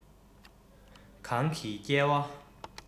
གང གིས བསྐྱལ བ